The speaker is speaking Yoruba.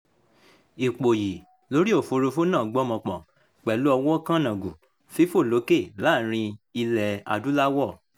Ìpòyì lórí òfuurufú náà gbọ́mọ pọn pẹ̀lú owó kanangú fífò lókè láàárín Ilẹ̀-adúláwọ̀.